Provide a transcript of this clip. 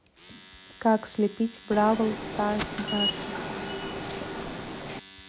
как слепить бравл старс гарфилд